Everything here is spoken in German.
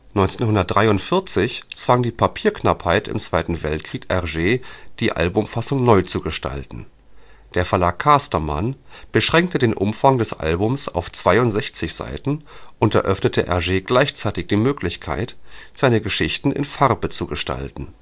1943 zwang die Papierknappheit im Zweiten Weltkrieg Hergé die Albumfassung neu zu gestalten. Der Verlag Castermann beschränkte den Umfang des Albums auf 62 Seiten und eröffnete Hergé gleichzeitig die Möglichkeit, seine Geschichten in Farbe zu gestalten